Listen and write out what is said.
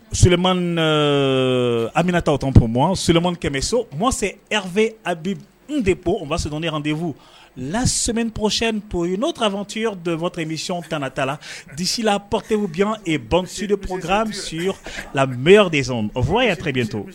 So an bɛna taa o tɔnp soma kɛmɛ so mɔ se fɛ abi de u ma sokan denfu la sɛmɛɔcyɛn to yen n'o tuy don iyɔn tanta la disila patew bɛ bansidip misi la mɛyɔrɔ de o fanarebi to